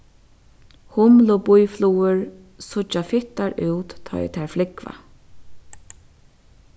humlubýflugur síggja fittar út tá ið tær flúgva